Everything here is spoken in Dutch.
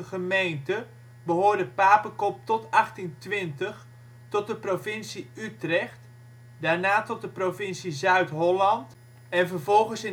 gemeente behoorde Papekop tot 1820 tot de provincie Utrecht, daarna tot de provincie Zuid-Holland en vervolgens